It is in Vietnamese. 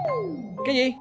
cái gì